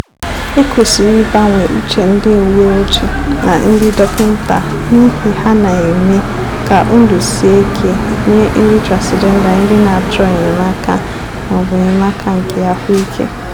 E kwesịrị ịgbanwe uche ndị uweojii na ndị dọkịta n'ihi ha na-eme ka ndụ sie ike nye ndị Transịjenda ndị na-achọ enyemaka ma ọ bụ enyemaka nke ahụike.